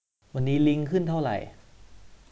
วันนี้ลิ้งขึ้นเท่าไหร่